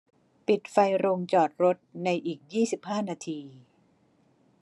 ปิดไฟโรงจอดรถในอีกยี่สิบห้านาที